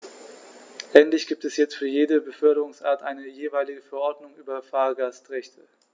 Endlich gibt es jetzt für jede Beförderungsart eine jeweilige Verordnung über Fahrgastrechte.